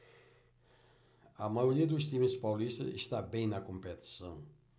a maioria dos times paulistas está bem na competição